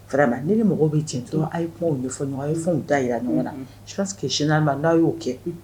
vraiment n'i ni mɔgɔ bɛ jɛ konman , aw ye kumaw ɲɛ fɔ ɲɔgɔn ye, aw ye fɛnw da jira ɲɔgɔn, je pense que généralement n'a y'o kɛ